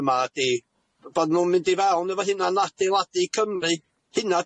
yma ydi bo nw'n mynd i fewn efo Hunan Adeiladu Cymru, hynna